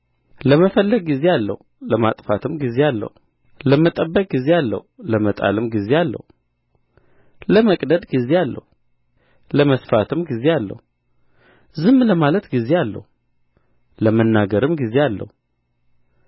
ለመፈለግ ጊዜ አለው ለማጥፋትም ጊዜ አለው ለመጠበቅ ጊዜ አለው ለመጣልም ጊዜ አለው ለመቅደድ ጊዜ አለው ለመስፋትም ጊዜ አለው ዝም ለማለት ጊዜ አለው ለመናገርም ጊዜ አለው